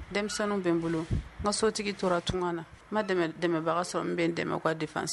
Denmisɛnninw bɛ n bolo, n ka sotigi tora tunga na, n ma dɛmɛbaga sɔrɔ min bɛ n dɛmɛ u ka dépenses la